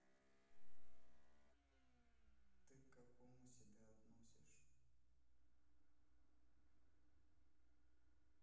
ты к какому себя относишь